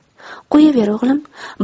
qo'yaver o'g'lim